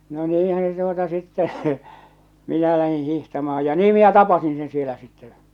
no niinhän se tuota sitten minä lähdin hiihtämään ja niin minä tapasin sen siellä sitten -